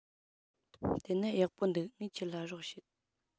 དེ ན ཡག པོ འདུག ངས ཁྱོད ལ རོགས བྱེད